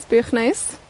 Sbïwch neis.